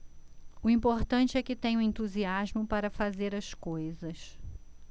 o importante é que tenho entusiasmo para fazer as coisas